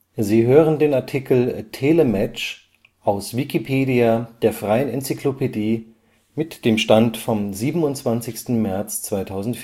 Sie hören den Artikel TeleMatch, aus Wikipedia, der freien Enzyklopädie. Mit dem Stand vom Der